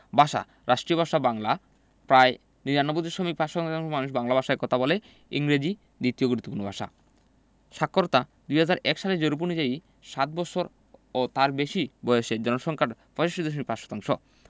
ভাষাঃ রাষ্ট্রীয় ভাষা বাংলা প্রায় ৯৯দশমিক ৫শতাংশ মানুষ বাংলা ভাষায় কথা বলে ইংরেজি দ্বিতীয় গুরুত্বপূর্ণ ভাষা সাক্ষরতাঃ ২০০১ সালের জরিপ অনুযায়ী সাত বৎসর ও তার বেশি বয়সের জনসংখ্যার ৬৫.৫ শতাংশ